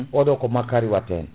oɗo ko makkari watte hen